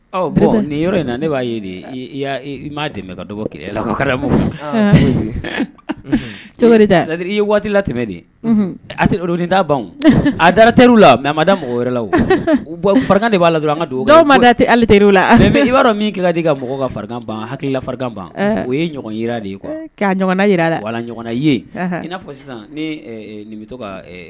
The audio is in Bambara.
Nin yɔrɔ in na ne b'a ye de m ma dɛmɛ ka dɔgɔ kɛlɛ la ka kala ce wɛrɛ ta i ye waati la tɛmɛmɛ de ye ain da ban a dara ter' la mɛ mada mɔgɔ wɛrɛ la fara de b'a la don an ka dugawu ma da ali terir' la i b'a dɔn min k'i ka di ka mɔgɔ ka fara ban ha hakilila farikan ban o ye ɲɔgɔn yi de ye' ɲɔgɔnna jira a la wala la ɲɔgɔnna ye i n'a fɔ sisan ni nin bɛ to ka